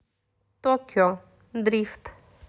токио дрифт